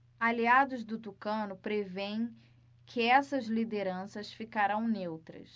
aliados do tucano prevêem que essas lideranças ficarão neutras